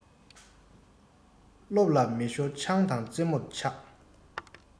སློབ ལ མི ཞོལ ཆང དང རྩེད མོར ཆགས